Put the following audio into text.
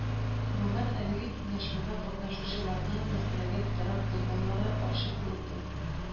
Гомумән, әлеге киңәшмәдә катнашучыларның мәсьәләгә битараф булмаулары ачык күренде